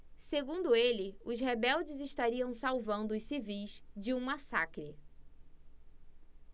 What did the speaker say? segundo ele os rebeldes estariam salvando os civis de um massacre